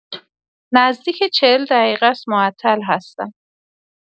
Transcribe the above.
نزدیک ۴۰ دقیقه است معطل هستم